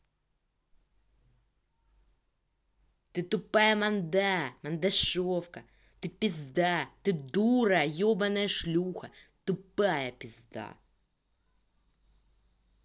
ты тупая манданда мандавошка ты пизда ты дура ебаная шлюха тупая пизда